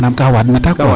manaam kaa waadna taa quoi